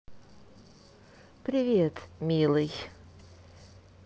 привет милый